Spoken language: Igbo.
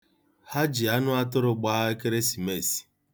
Ha ji anụatụrụ gba Ekeresimeesi.